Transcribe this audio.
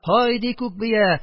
Һайди, күк бия!